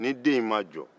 ni den in ma jɔ